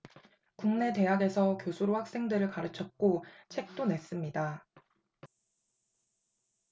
국내 대학에서 교수로 학생들을 가르쳤고 책도 냈습니다